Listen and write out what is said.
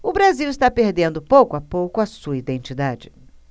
o brasil está perdendo pouco a pouco a sua identidade